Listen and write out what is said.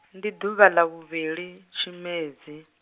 ndi ḓuvha ḽa vhuvhili, tshimedzi.